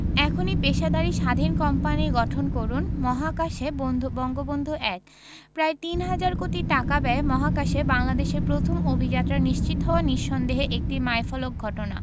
এখনই পেশাদারি স্বাধীন কোম্পানি গঠন করুন মহাকাশে বঙ্গবন্ধু ১ প্রায় তিন হাজার কোটি টাকা ব্যয়ে মহাকাশে বাংলাদেশের প্রথম অভিযাত্রা নিশ্চিত হওয়া নিঃসন্দেহে একটি মাইলফলক ঘটনা